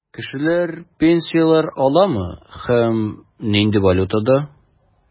Кешеләр пенсияләр аламы һәм нинди валютада?